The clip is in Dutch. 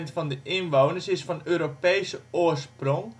van de inwoners is van Europese oorsprong